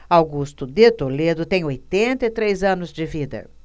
augusto de toledo tem oitenta e três anos de vida